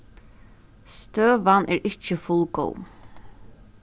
støðan er ikki fullgóð